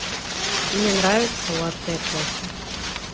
мне нравиться латте кофе